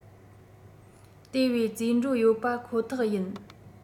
དེ བས རྩིས འགྲོ ཡོད པ ཁོ ཐག ཡིན